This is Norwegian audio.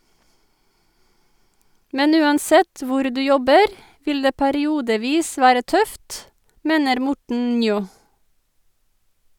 Men uansett hvor du jobber , vil det periodevis være tøft, mener Morten Njå.